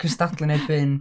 Cystadlu'n erbyn...